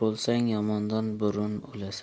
bo'lsang yomondan burun o'lasan